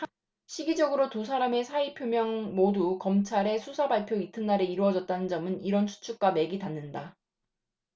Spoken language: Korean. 시기적으로도 두 사람의 사의 표명 모두 검찰의 수사발표 이튿날에 이뤄졌다는 점은 이런 추측과 맥이 닿는다